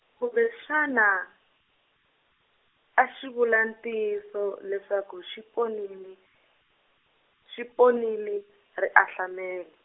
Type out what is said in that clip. kumbexani, a xi vula ntiyiso leswaku xi ponile, xi ponile ri ahlamile.